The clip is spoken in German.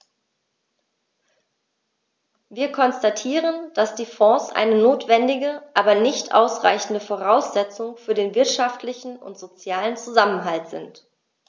Wir konstatieren, dass die Fonds eine notwendige, aber nicht ausreichende Voraussetzung für den wirtschaftlichen und sozialen Zusammenhalt sind.